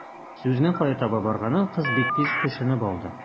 Сүзнең кая таба барганын кыз бик тиз төшенеп алды.